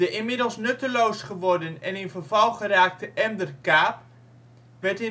inmiddels nutteloos geworden en in verval geraakte Emder kaap werd